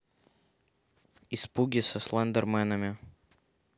испуги со слендерменами